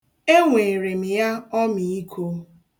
Enweere m ya ọmiiko.